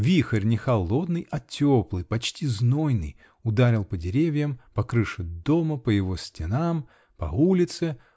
Вихорь, не холодный, а теплый, почти знойный, ударил по деревьям, по крыше дома, по его стенам, по улице